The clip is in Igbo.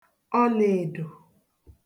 ọlēèdò